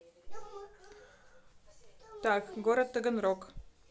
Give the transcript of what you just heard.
так город таганрог